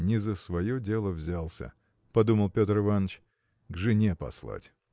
Не за свое дело взялся, – подумал Петр Иваныч, – к жене послать.